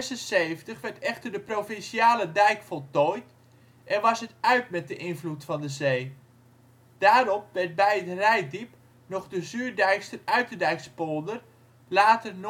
In 1876 werd echter de Provinciale dijk voltooid en was het uit met de invloed van de zee. Daarop werden bij het Reitdiep nog de Zuurdijkster Uiterdijkspolder (later